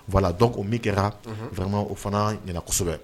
Voilà donc o min kɛra; Unhun; vraiment o fana ɲɛna kosɛbɛ.